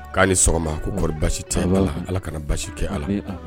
K'a ni sɔgɔma ko kɔrɔɔri basi tɛ la ala kana basi kɛ ala ye